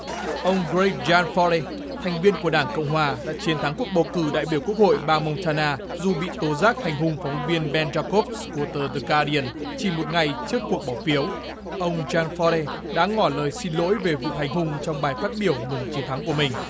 ông rây ran pho lê thành viên của đảng cộng hòa đã chiến thắng cuộc bầu cử đại biểu quốc hội bang mông tan na dù bị tố giác hành hung phóng viên ben ra cốp của tờ giờ ga đi ân chỉ một ngày trước cuộc bỏ phiếu ông ran pho lê đã ngỏ lời xin lỗi về vụ hành hung trong bài phát biểu mừng chiến thắng của mình